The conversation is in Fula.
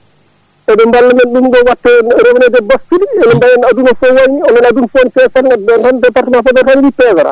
oɗon balla min ɗum ɗo watta rewnede e bascule walla mbayen no aaduna o foof wayni hande aaduna foof ne peesa nder département Podor tan woni mo peesata